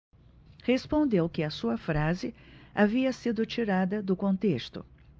respondeu que a sua frase havia sido tirada do contexto